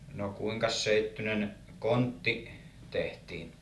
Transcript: no kuinkas seittyinen kontti tehtiin